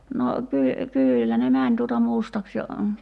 no - kyllä ne meni tuota mustaksi ja